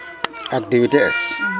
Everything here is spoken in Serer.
activité es ?